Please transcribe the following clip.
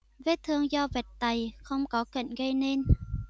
vết thương do vật tày không có cạnh gây nên